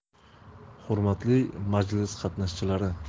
hurmatli majlis qatnashchilari